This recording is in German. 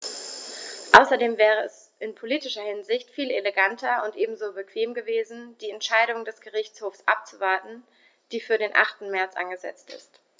Außerdem wäre es in politischer Hinsicht viel eleganter und ebenso bequem gewesen, die Entscheidung des Gerichtshofs abzuwarten, die für den 8. März angesetzt ist.